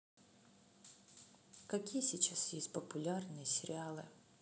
какие сейчас есть популярные сериалы